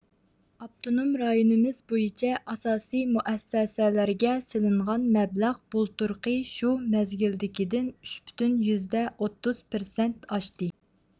ئاپتونوم رايونىمىز بويىچە ئاساسىي مۇئەسسەسەلەرگە سېلىنغان مەبلەغ بۇلتۇرقى شۇ مەزگىلدىكىدىن ئۈچ پۈتۈن يۈزدە ئوتتۇز پىرسەنت ئاشتى